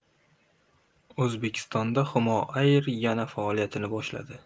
o'zbekistonda humo air yana faoliyatini boshladi